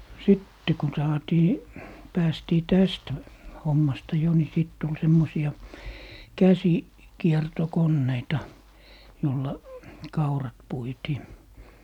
sitten kun saatiin päästiin tästä hommasta jo niin sitten tuli semmoisia - käsikiertokoneita jolla kaurat puitiin